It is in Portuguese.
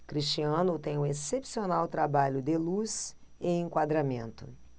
cristiano tem um excepcional trabalho de luz e enquadramento